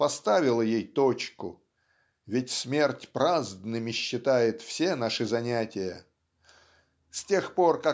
поставила ей точку (ведь смерть праздными считает все наши занятия) с тех пор